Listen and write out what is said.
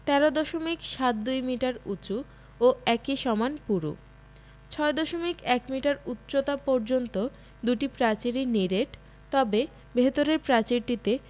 ১৩ দশমিক সাত দুই মিটার উঁচু ও একই সমান পুরু ৬দশমিক ১ মিটার উচ্চতা পর্যন্ত দুটি প্রাচীরই নিরেট তবে ভেতরের প্রাচীরটিতে